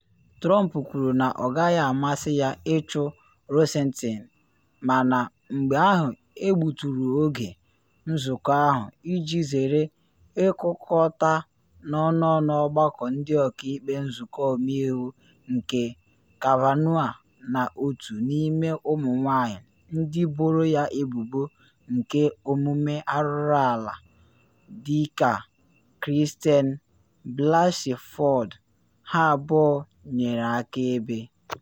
Trump kwuru na “ọ gaghị amasị” ya ịchụ Rosentein mana mgbe ahụ egbuturu oge nzụkọ ahụ iji zere ịkụkọta n’ọnụnụ ọgbakọ ndị ọkaikpe Nzụkọ Ọmeiwu nke Kavanaugh na otu n’ime ụmụ nwanyị ndị boro ya ebubo nke omume arụrụ ala, Dk Christine Blasey Ford, ha abụọ nyere akaebe.